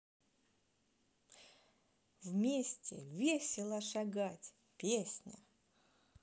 вместе весело шагать песня